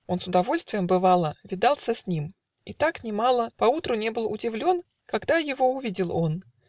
Он с удовольствием, бывало, Видался с ним, и так нимало Поутру не был удивлен, Когда его увидел он.